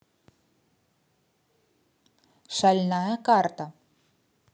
шальная карта